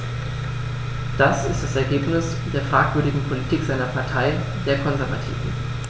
Das ist das Ergebnis der fragwürdigen Politik seiner Partei, der Konservativen.